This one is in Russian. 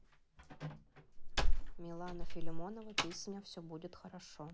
милана филимонова песня все будет хорошо